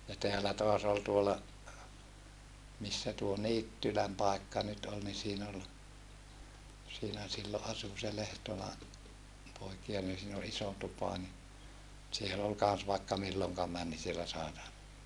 ja täällä taas oli tuolla missä tuo Niittylän paikka nyt oli niin siinä oli siinä silloin asui se Lehtola poikia niin siinä oli iso tupa niin siellä oli kanssa vaikka milloin meni niin siellä sai tanssia